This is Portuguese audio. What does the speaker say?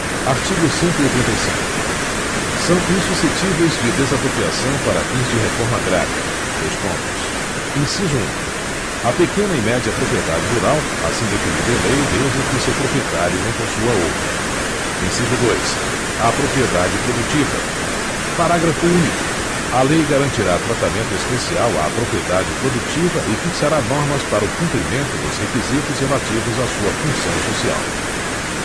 artigo cento e oitenta e cinco são insuscetíveis de desapropriação para fins de reforma agrária dois pontos inciso um a pequena e média propriedade rural assim definida em lei desde que seu proprietário não possua outra inciso dois a propriedade produtiva parágrafo único a lei garantirá tratamento especial à propriedade produtiva e fixará normas para o cumprimento dos requisitos relativos a sua função social